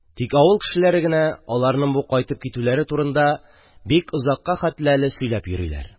Тик авыл кешеләре генә аларның бу кайтып китүләре турында әле бик озакка хәтле әле сөйләп йөриләр.